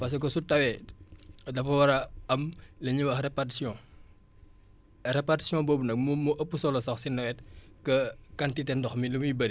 parce que su tawee dafa war a am li ñuy wax répartition et répartition boobu nag moom moo ëpp solo sax si nawet que quantité ndox mi lu muy bëri